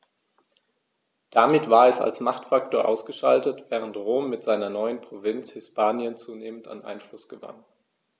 Damit war es als Machtfaktor ausgeschaltet, während Rom mit seiner neuen Provinz Hispanien zunehmend an Einfluss gewann.